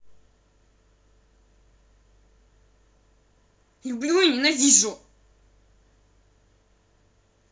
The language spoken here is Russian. люблю и ненавижу